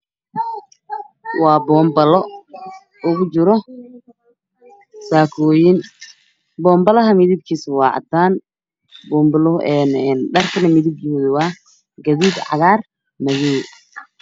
Waa boonbalo ugu jiro saakooyin boonbalaha midabkiisu waa cadaan boonbalo midabkoodu waa gaduud, cagaar iyo madow